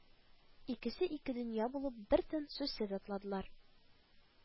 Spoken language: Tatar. Икесе ике дөнья булып бертын сүзсез атладылар